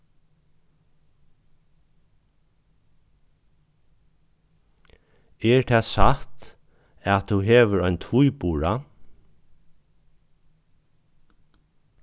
er tað satt at tú hevur ein tvíbura